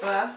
waaw